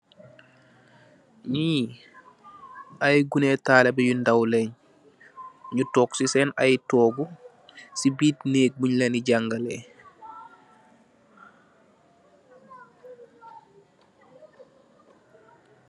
Nyii, aye guneeh talibeh yu ndaw leen, nyu took si sen aye tooguh, si biit naik bunye leen di jangaleeh.